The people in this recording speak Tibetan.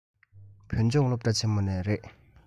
བོད ལྗོངས སློབ གྲྭ ཆེན མོ ནས རེད